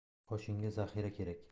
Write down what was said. qo'shinga zaxira kerak